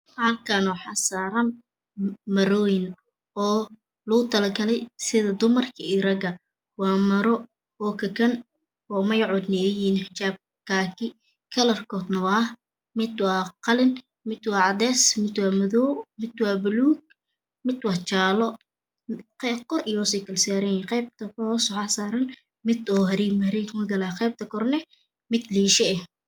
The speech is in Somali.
Halkaan waxaa saraan marooyin oo lagu tala galay sida dumarka iyo raga waa Maro oo kakaan magacodu yihin xijaab kaaki kalarkoodna waa mid waa qaliin mid waa cadeys mid waa madoow mid waa baluug mid waa jaalo qeyb kor iyo hose kala saran yihiin qeybta hos waxa saraan mid oo harig harimo marayo qeyta korne mid lisho eh